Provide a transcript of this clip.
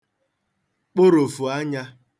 kporòfù anyā